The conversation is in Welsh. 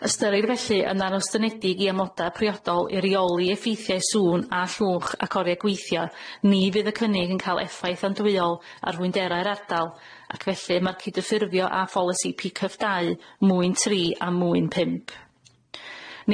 Ystyrir felly yn arostynedig i amoda priodol i reoli effeithiau sŵn a llwch ac orie gweithio ni fydd y cynnig yn ca'l effaith andwyol ar fwynderau'r ardal ac felly ma'r cydyffurfio â pholisi Pee cyff dau mwyn tri a mwyn pump.